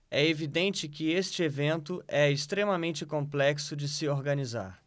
é evidente que este evento é extremamente complexo de se organizar